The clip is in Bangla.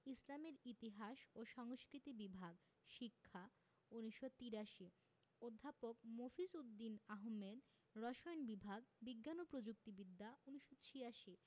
ইসলামের ইতিহাস ও সংস্কৃতি বিভাগ শিক্ষা ১৯৮৩ অধ্যাপক মফিজ উদদীন আহমেদ রসায়ন বিভাগ বিজ্ঞান ও প্রযুক্তি বিদ্যা ১৯৮৬